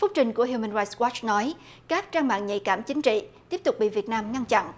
phúc trình của hi mưn rai goát nói các trang mạng nhạy cảm chính trị tiếp tục bị việt nam ngăn chặn